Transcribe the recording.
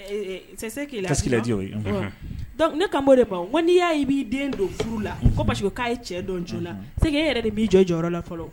K'i la o ye dɔnku ne ka bɔ de pan n'i y'a ye b'i den don furu la ko parce k'a ye cɛ dɔn jo la se e yɛrɛ de b'i jɔ jɔyɔrɔyɔrɔ la fɔlɔ